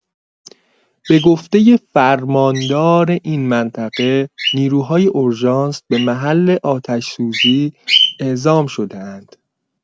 به گفته فرماندار این منطقه نیروهای اورژانس به محل آتش‌سوزی اعزام شده‌اند.